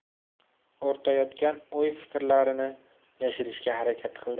o'rtayotgan o'y fikrlarini yashirishga harakat qildi